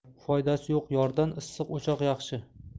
foydasi yo'q yordan issiq o'choq yaxshi